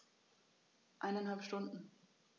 Eineinhalb Stunden